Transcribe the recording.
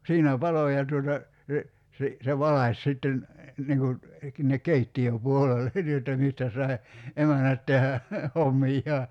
siinä paloi ja tuota se - se valaisi sitten niin kuin sinne keittiöpuolelle niin jotta mistä sai emännät tehdä hommiaan